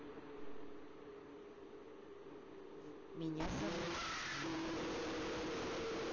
меня зовут дима